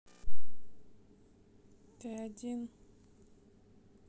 ты один